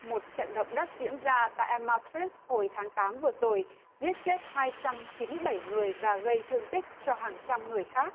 một trận động đất diễn ra tại a ma sít hồi tháng tám vừa rồi giết chết hai trăm chín mươi bảy người và gây thương tích cho hàng trăm người khác